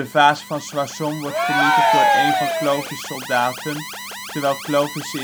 Vaas van Soissons " wordt vernietigd door één van Clovis ' soldaten terwijl Clovis